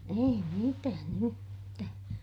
ei mitään yhtään